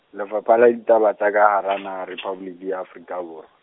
Lefapha la Ditaba tsa ka Hara Naha Rephaboliki ya Afrika Borwa.